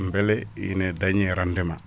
beele ina dañe rendement